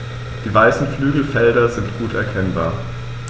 Die weißen Flügelfelder sind gut erkennbar.